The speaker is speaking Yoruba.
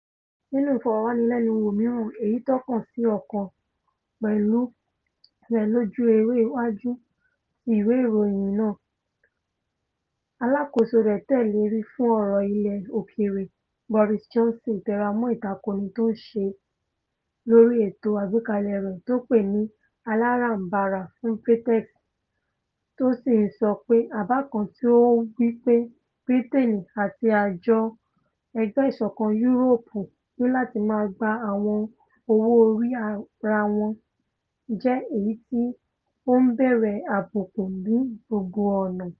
Nínú ìfọ̀ròwánilẹ́nuwò mìíràn èyí tókàn sí ọ̀kan pẹ̀lú rẹ̀ lójú ewé iwájú ti iwe iroyin náà, aláàkóso rẹ̀ tẹ́lẹ̀ rí fún ọ̀rọ̀ ilẹ̀ òkèèrè Boris Johnson tẹramọ́ ìtakoni tó ńṣe lórí ètò àgbékalẹ̀ rẹ̀ tó pè ní Aláràm̀barà fún Brexit, tó sì ńsọ pé àbá kan tí ó wí pé Briteeni àti àjọ EU níláti máa gba àwọn owó-orí ara wọn jẹ́ èyití ''ó ń béèrè àbùkú ní gbogbo ọ̀nà.''